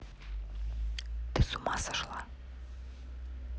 ты с ума сошла